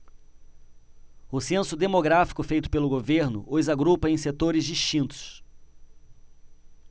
o censo demográfico feito pelo governo os agrupa em setores distintos